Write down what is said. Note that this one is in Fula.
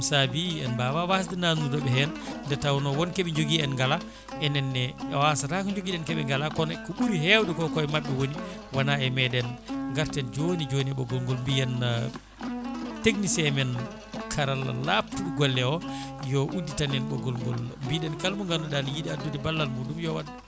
ɗum saabi en mbawa wasde nannudeɓe hen nde tawno wonkoɓe jogui en ngala enenne wasata ko jopguiɗen keeɓe ngala kono ko ɓuuri hewde ko koye mabɓe woni wona e meɗen garten joni joni e ɓoggol ngol mbiyen technicien men karalla labtuɗo golle o yo udditan en ɓoggol ngol mbiɗen kala mo ganduɗa ne yiiɗi addude ballal muɗum yo waat